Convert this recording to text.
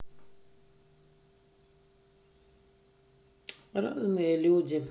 разные люди